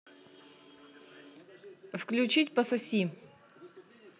включить пососи